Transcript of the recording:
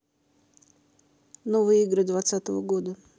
новые игры двадцатого года